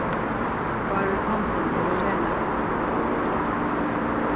bárður thomsen er rumenari